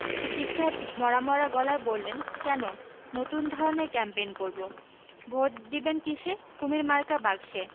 সিদ্দিক সাহেব মরা মরা গলায় বললেন কেন নতুন ধরনের ক্যাম্পেইন করব ভোট দিবেন কিসে কুমীর মার্কা বাক্সে